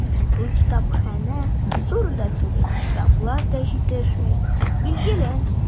Ул китапханә зур да түгел, китаплар да җитешми, билгеле.